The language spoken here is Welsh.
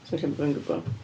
So ella bod fi'n gwbo'.